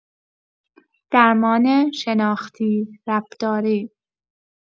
درمان شناختی-رفتاری